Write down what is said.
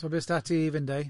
So be' sy' 'da ti i fynd a'i?